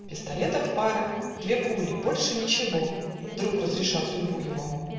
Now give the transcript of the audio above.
Пистолетов пара, Две пули - больше ничего - Вдруг разрешат судьбу его.